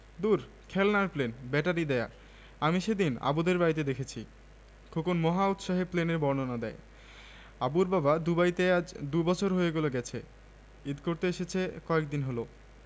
তোর এত বুদ্ধি জোয়ান ছেলে দুদিনেই তুই লাখ টাকা জমাতে পারবি তখন আমার কিছু একটা জিনিস এনে দিবি কি বলো দিবি তো কি চাও বলো